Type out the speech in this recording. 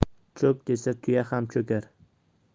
cho'k desa tuya ham cho'kar